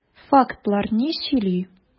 Фактлар ни сөйли?